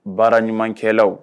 Baara ɲumankɛlaw